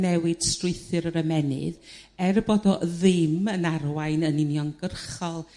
newid strwythur yr ymennydd er bod o ddim yn arwain yn uniongyrchol